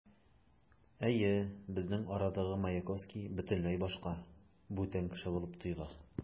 Әйе, безнең арадагы Маяковский бөтенләй башка, бүтән кеше булып тоела.